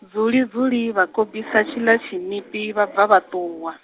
dzuli-dzuli vha kobisa tshila tshinipi vha bva vha ṱuwa.